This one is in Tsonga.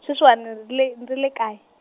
sweswa ni ri le, ndzi le kaya.